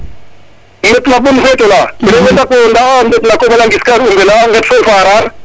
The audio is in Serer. im retma bon fetola rewe ndako ndeta ndet na koɓale a mbuf ka umbel a nget fo Farare